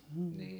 mm